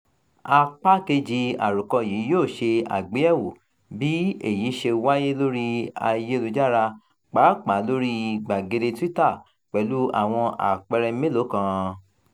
Apá kejì àròkọ yìí yóò ṣe àgbéyẹ̀wò bí èyí ṣe wáyé lórí ayélujára, pàápàá lóríi gbàgede Twitter, pẹ̀lú àwọn àpẹẹrẹ mélòó kan.